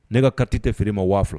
Ne ka kati tɛ feere ma waaula